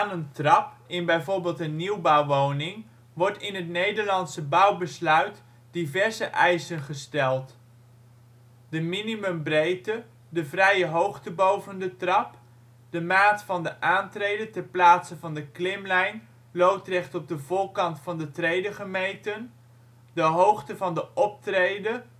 een trap in bijvoorbeeld een nieuwbouwwoning wordt in het Nederlandse bouwbesluit diverse eisen gesteld, de minimum breedte, de vrije hoogte boven de trap, de maat van de aantrede ter plaatse van de klimlijn loodrecht op de voorkant van de trede gemeten, de hoogte van de optrede